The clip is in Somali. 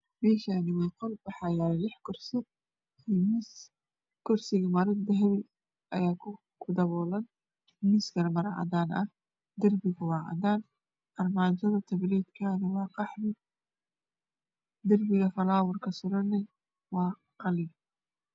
Meshaani waa qol waxaa yala lixkursi iyo miis mara dahpi Aya ku dapoolan miska mara cadana haya saran darpiga darpiga wa cadaan armaajada tapaleedka wa qaxwi darpiga faalawrka saran waa qalin